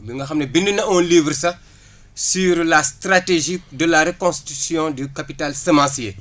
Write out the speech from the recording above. mi nga xam ne bind na un livre sax sur la stratégie de la reconstitution du capital semencier